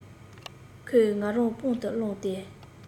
ཁོས ང རང པང དུ བླངས ཏེ